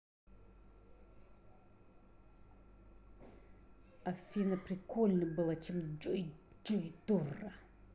афина поприкольней было чем джой джой дура